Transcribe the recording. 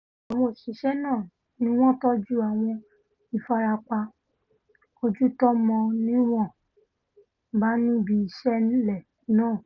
Àwọn òṣiṣẹ́ náà níwọ́n tọ́jú àwọn ìfarapa ojú tómọ̀ níwọ̀nba níbi ìṣẹ̀lẹ̀ náà.